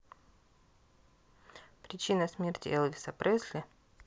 причина смерти элвиса пресли